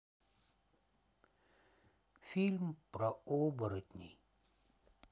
фильм про оборотней